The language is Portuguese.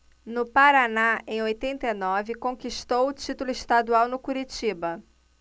no paraná em oitenta e nove conquistou o título estadual no curitiba